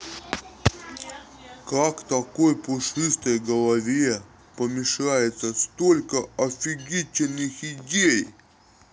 как такой пушистой голове помещается столько офигительных идей